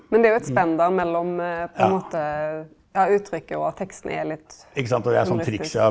men det er jo eit spenn der mellom på ein måte ja uttrykket og at teksten er litt sånn mystisk.